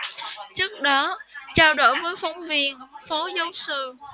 trước đó trao đổi với phóng viên phó giáo sư